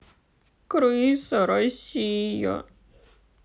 крыса россия